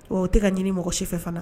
Tu a u tɛ ka ɲini mɔgɔ si fɛ fana!